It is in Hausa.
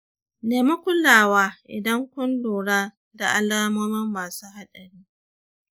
nemi kulawa idan kun lura da alamomi masu haɗari